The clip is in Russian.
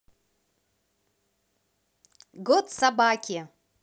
год собаки